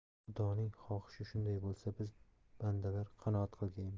xudoning xohishi shunday bo'lsa biz bandalar qanoat qilgaymiz